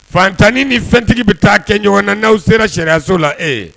Fantanani ni fɛntigi bɛ taa kɛ ɲɔgɔn na n'aw sera sariyaso la e ye